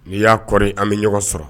N'i y'a kɔrɔɔri an bɛ ɲɔgɔn sɔrɔ